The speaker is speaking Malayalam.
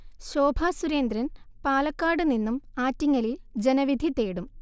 ശോഭസുരേന്ദ്രൻ പാലക്കാട് നിന്നും ആറ്റിങ്ങലിൽ ജനവിധി തേടും